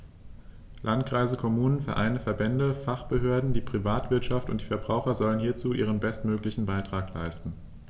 Landkreise, Kommunen, Vereine, Verbände, Fachbehörden, die Privatwirtschaft und die Verbraucher sollen hierzu ihren bestmöglichen Beitrag leisten.